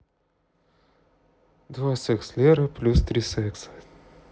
два секс лера плюс три секса